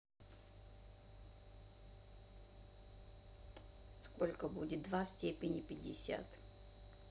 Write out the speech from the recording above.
сколько будет два в степени пятьдесят